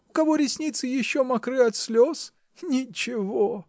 у кого ресницы еще мокры от слез? Ничего!